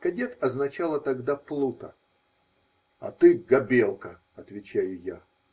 ("Кадет" означало тогда плута) -- А ты -- гобелка, -- отвечаю я.